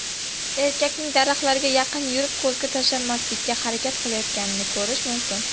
erkakning daraxtlarga yaqin yurib ko'zga tashlanmaslikka harakat qilayotganini ko'rish mumkin